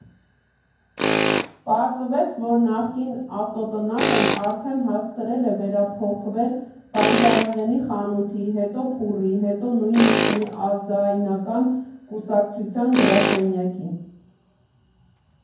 Պարզվեց, որ նախկին ավտոտնակն արդեն հասցրել էր վերափոխվել բանջարեղենի խանութի, հետո փուռի, հետո նույնիսկ մի ազգայնական կուսակցության գրասենյակի։